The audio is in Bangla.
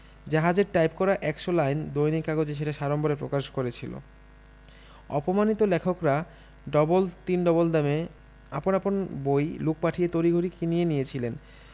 জাহাজের টাইপ করা এক শ লাইন দৈনিক কাগজে সেটা সাড়ম্বরে প্রকাশ করেছিল অপমানিত লেখকরা ডবল তিন ডবল দামে আপন আপন বই লোক পাঠিয়ে তড়িঘড়ি কিনিয়ে নিয়েছিলেন